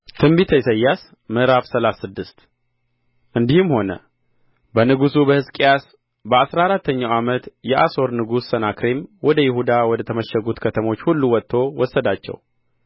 ትንቢተ ኢሳይያስ ምዕራፍ ሰላሳ ስድስት እንዲህም ሆነ በንጉሡ በሕዝቅያስ በአሥራ አራተኛው ዓመት የአሦር ንጉሥ ሰናክሬም ወደ ይሁዳ ወደ ተመሸጉት ከተሞች ሁሉ ወጥቶ ወሰዳቸው